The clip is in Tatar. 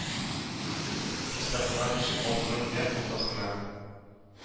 Чистартылган ишек алдының нәкъ уртасына,